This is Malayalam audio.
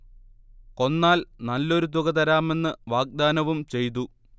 കൊന്നാൽ നല്ലൊരു തുക തരാമെന്ന് വാഗ്ദാനവും ചെയ്തു